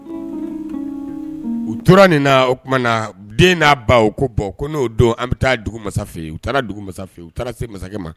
U tora nin na o na den n'a baw ko bɔn n'o an bɛ taa dugu masafe u taara dugu masa u taara se masakɛ ma